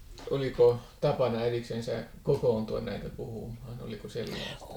oliko tapana erikseen kokoontua näitä puhumaan oliko sellaista